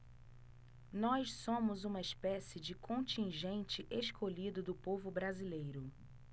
nós somos uma espécie de contingente escolhido do povo brasileiro